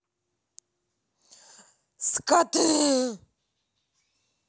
скоты